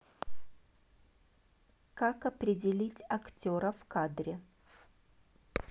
как определить актера в кадре